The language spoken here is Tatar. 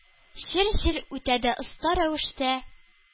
Черчилль үтә дә оста рәвештә